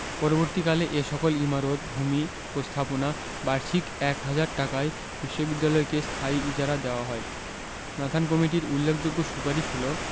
পরবর্তীকালে এ সকল ইমারত ভূমি ও স্থাপনা বার্ষিক এক হাজার টাকায় বিশ্ববিদ্যালয়কে স্থায়ী ইজারা দেওয়া হয় নাথান কমিটির উল্লেখযোগ্য সুপারিশ হলো: